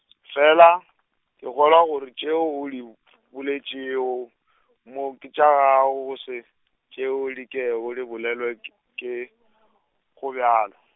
fela ke kgolwa gore tšeo o di o- , boletšego , mo ke tša gago e se tšeo di ke -ole bolelwe k- ke, Goblalo.